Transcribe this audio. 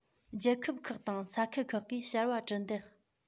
རྒྱལ ཁབ ཁག དང ས ཁུལ ཁག གིས ཕྱར བ གྲུ འདེགས